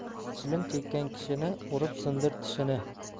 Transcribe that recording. chilim chekkan kishini urib sindir tishini